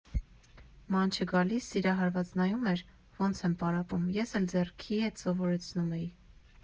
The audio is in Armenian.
«Մանչը գալիս, սիրահարված նայում էր՝ ոնց եմ պարապում, ես էլ ձեռքի հետ սովորեցնում էի։